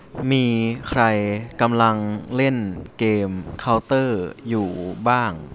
มีใครกำลังเล่นเกมเค้าเตอร์อยู่บ้าง